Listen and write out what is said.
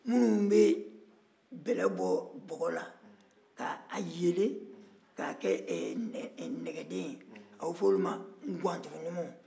minnu bɛ bɛlɛ bɔ bɔgɔ la k'a yelen k'a kɛ nɛgɛden yen a bɛ fɔ olu ma nguwantugu numuw